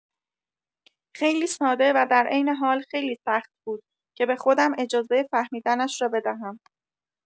خیلی ساده و درعین‌حال خیلی سخت بود که به خودم اجازه فهمیدنش را بدهم.